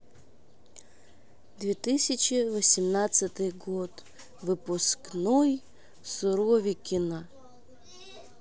две тысячи восемнадцатый год выпускной суровикино